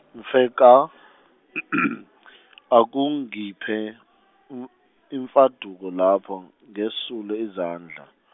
Mfeka akungiphe u- imfaduko lapho ngesule izandla.